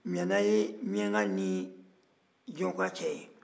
mɛɛna ye miɲɛnka ni jɔka cɛ ye